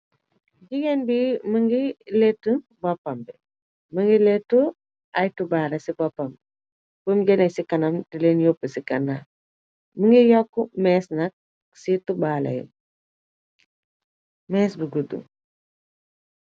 Jigéen bi mun ngi leetu boppambi, mun ngi leetu ay tubaale ci boppamb bi bom jane ci kanam di leen yopp ci kanna. Mi ngir yokku mees nak ci tubaale ya mees bi gudd.